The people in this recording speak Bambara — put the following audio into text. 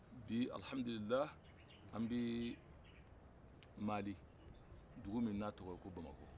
bi alihamudulilaa anw bɛ mali dugu min n'a tɔgɔ ko bamako